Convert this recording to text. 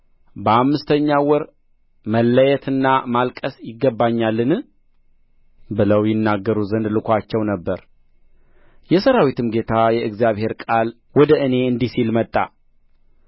በአምስተኛው ወር መለየትና ማልቀስ ይገባኛልን ብለው ይናገሩ ዘንድ ልኮአቸው ነበር የሠራዊትም ጌታ የእግዚአብሔር ቃል ወደ እኔ እንዲህ ሲል መጣ